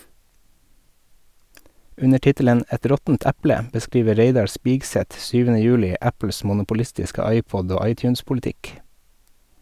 Under tittelen "Et råttent eple" beskriver Reidar Spigseth 7. juli Apples monopolistiske iPod- og iTunes-politikk.